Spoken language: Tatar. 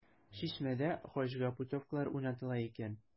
“чишмә”дә хаҗга путевкалар уйнатыла икән.